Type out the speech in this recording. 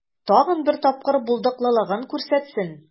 Тагын бер тапкыр булдыклылыгын күрсәтсен.